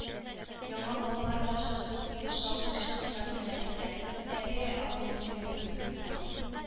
Яңа балалар бакчасы төзү шактый чыгымнар таләп итә, әлегә андый мөмкинлегебез юк.